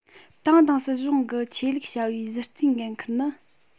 ཏང དང སྲིད གཞུང གི ཆོས ལུགས བྱ བའི གཞི རྩའི འགན ཁུར ནི